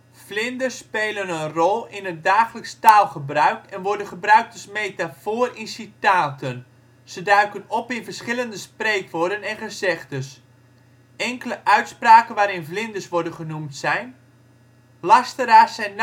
spelen een rol in het dagelijks taalgebruik en worden gebruikt als metafoor in citaten, ze duiken op in verschillende spreekwoorden en gezegdes. Enkele uitspraken waarin vlinders worden genoemd zijn: Lasteraars zijn